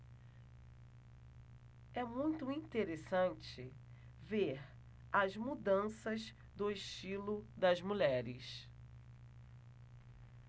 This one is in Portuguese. é muito interessante ver as mudanças do estilo das mulheres